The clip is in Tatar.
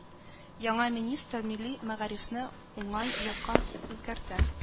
Яңа министр милли мәгарифне уңай якка үзгәртә